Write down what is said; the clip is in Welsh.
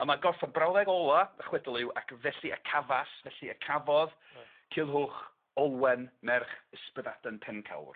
A ma' gorffen brawddeg ola y chwedl yw ac felly y cafas felly y cafodd ... Reit. Culhwch Olwen, merch Ysbyddaden Pencawr.